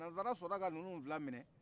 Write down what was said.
nanzara sɔrɔla ka ninnu fila minɛ